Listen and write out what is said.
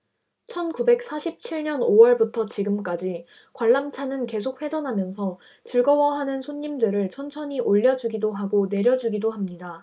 천 구백 사십 칠 년 오 월부터 지금까지 관람차는 계속 회전하면서 즐거워하는 손님들을 천천히 올려 주기도 하고 내려 주기도 합니다